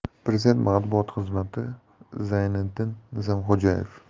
prezident matbuot xizmati zayniddin nizomxo'jayev